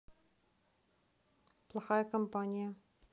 плохая компания